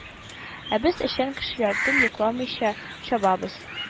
Ә без, эшчән кешеләр, төн йокламыйча чабабыз